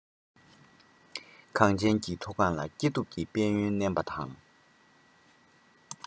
གངས ཅན གྱི མཐོ སྒང ལ སྐྱེ སྟོབས ཀྱི དཔལ ཡོན བསྣན པ དང